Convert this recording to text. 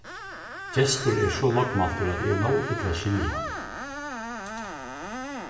gestur er so lágmæltur at eg nóg illa skilji hann